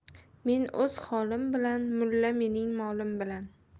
men o'z holim bilan mulla mening molim bilan